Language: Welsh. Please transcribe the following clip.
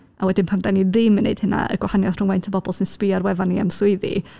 a wedyn pan dan ni ddim yn wneud hynna, y gwahaniaeth rhwng faint o bobl sy'n sbio ar wefan ni am swyddi.